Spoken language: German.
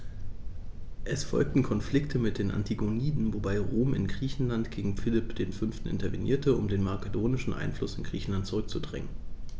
Es folgten Konflikte mit den Antigoniden, wobei Rom in Griechenland gegen Philipp V. intervenierte, um den makedonischen Einfluss in Griechenland zurückzudrängen.